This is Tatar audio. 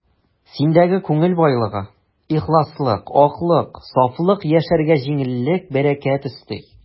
Синдәге күңел байлыгы, ихласлык, аклык, сафлык яшәргә җиңеллек, бәрәкәт өсти.